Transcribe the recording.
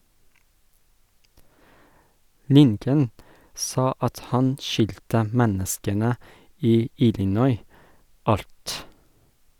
- Lincoln sa at han skyldte menneskene i Illinois alt.